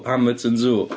Hamerton Zoo.